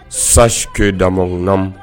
Sakeda na